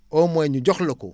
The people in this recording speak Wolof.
au moins ñu jox la ko